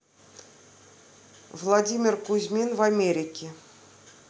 владимир кузьмин в америке